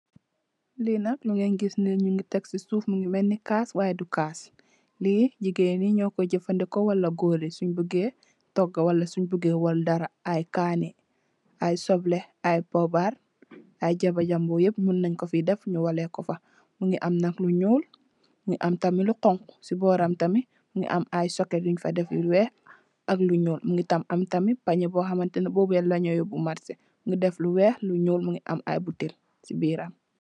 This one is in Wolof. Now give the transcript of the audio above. Li nak nyung leen giss nyung Leen tek ci poss poss nyung leen di kass waye du kass. Jigeen nyuko de jefandikoo wala goor yi sunj bugee toga wala sunj bugee waal dara, ay kaneh, ay sopleh, ay pobarr, jabajamburr yep mun nenku fi def nyu wale kufa. Mungi am nak lu ñuul, lu xonxo ci boram tamit mungi am socket yün fa def ak lu ñuul. Mungi am tamit pañye bu xamanteneh moom lanyu yubu marche mu deef lu weex, lu ñuul ak ay buttel ci biram.